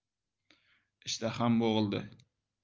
ishtaham bo'g'ildi